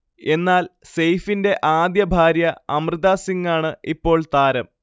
എന്നാൽ സെയ്ഫിൻറെ ആദ്യ ഭാര്യ അമൃത സിങ്ങാണ് ഇപ്പോൾ താരം